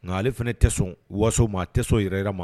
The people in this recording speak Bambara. Nka ale fana tɛ sɔn waaso maa tɛso yɛrɛy ma